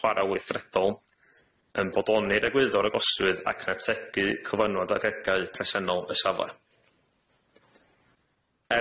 chwaral weithredol yn bodloni'r egwyddor agoswydd ac yn ategu cyflynwad ardegau presennol y safla.